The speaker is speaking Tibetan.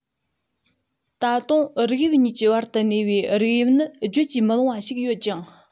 ད དུང རིགས དབྱིབས གཉིས ཀྱི བར དུ གནས པའི རིགས དབྱིབས ནི བརྗོད ཀྱིས མི ལངས པ ཞིག ཡོད ཀྱང